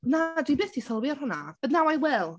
Na dwi byth 'di sylwi ar hwnna but now I will.